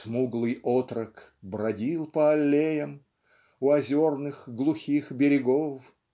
Смуглый отрок бродил по аллеям У озерных глухих берегов.